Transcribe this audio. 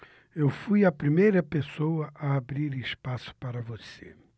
eu fui a primeira pessoa a abrir espaço para você